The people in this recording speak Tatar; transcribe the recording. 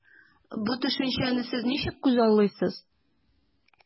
Бу төшенчәне сез ничек күзаллыйсыз?